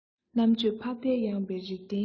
རྣམ དཔྱོད ཕ མཐའ ཡངས པའི རིག ལྡན ཡིན